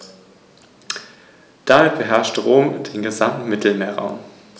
Durch das Rahmenkonzept des Biosphärenreservates wurde hier ein Konsens erzielt.